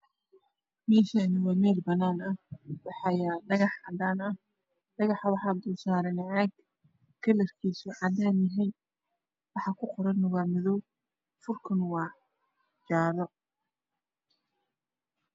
Halkan waa mel banan ah wax yalo dhagax kalar kisi waa cadan waxaa saran cag kalar kisi waa cadan iyo jale